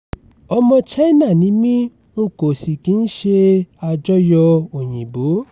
2. Ọmọ China ni mí n kò sì kí ń ṣe àjọyọ̀ Òyìnbó.